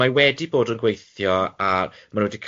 Mae wedi bod yn gweithio ar ma' nhw 'di cal